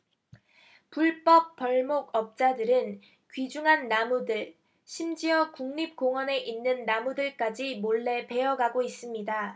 불법 벌목업자들은 귀중한 나무들 심지어 국립공원에 있는 나무들까지 몰래 베어 가고 있습니다